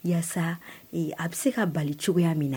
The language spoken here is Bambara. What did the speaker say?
Walasa a bɛ se ka bali cogoyaya min na